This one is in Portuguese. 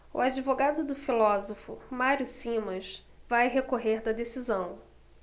o advogado do filósofo mário simas vai recorrer da decisão